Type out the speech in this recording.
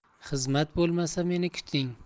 xizmat bo'lmasa meni kuting